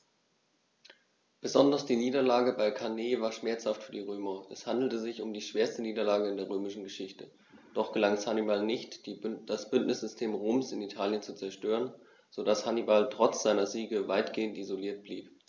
Besonders die Niederlage bei Cannae war schmerzhaft für die Römer: Es handelte sich um die schwerste Niederlage in der römischen Geschichte, doch gelang es Hannibal nicht, das Bündnissystem Roms in Italien zu zerstören, sodass Hannibal trotz seiner Siege weitgehend isoliert blieb.